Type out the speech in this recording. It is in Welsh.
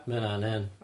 Ma' ynna'n 'en.